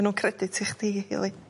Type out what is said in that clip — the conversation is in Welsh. Ma' nw'n credit i chdi rili.